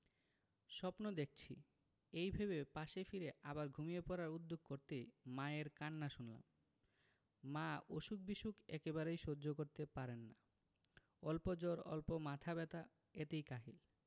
স্বপ্ন দেখছি এই ভেবে পাশে ফিরে আবার ঘুমিয়ে পড়ার উদ্যোগ করতেই মায়ের কান্না শুনলাম মা অসুখ বিসুখ একেবারেই সহ্য করতে পারেন না অল্প জ্বর অল্প মাথা ব্যাথা এতেই কাহিল